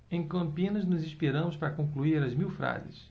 em campinas nos inspiramos para concluir as mil frases